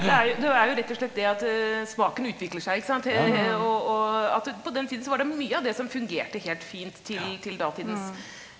det er jo det er jo rett og slett det at smaken utvikler seg ikke sant og og at du på den tiden så var det mye av det som fungerte helt fint til til datidens.